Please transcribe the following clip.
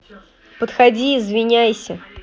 подходи извиняйся